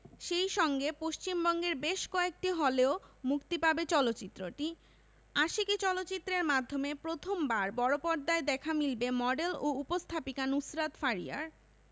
সেই সঙ্গে পশ্চিমবঙ্গের বেশ কয়েকটি হলেও মুক্তি পাবে চলচ্চিত্রটি আশিকী চলচ্চিত্রের মাধ্যমে প্রথমবার বড়পর্দায় দেখা মিলবে মডেল ও উপস্থাপিকা নুসরাত ফারিয়ার